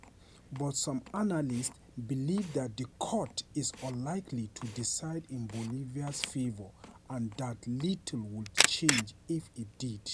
But some analysts believe that the court is unlikely to decide in Bolivia's favor - and that little would change if it did.